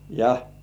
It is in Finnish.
ja